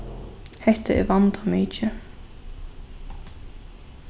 hetta er vandamikið